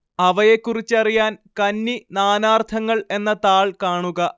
അവയെക്കുറിച്ചറിയാന്‍ കന്നി നാനാര്‍ത്ഥങ്ങള്‍ എന്ന താള്‍ കാണുക